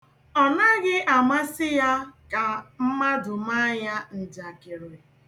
Ọ naghị amasị ya ka mmadụ maa ya njakịrị.